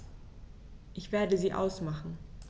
Ich werde sie ausmachen.